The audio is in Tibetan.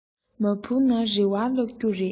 མ འཕུར ན རེ བ བརླགས རྒྱུ རེད